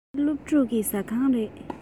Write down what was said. ཕ གི སློབ ཕྲུག གི ཟ ཁང རེད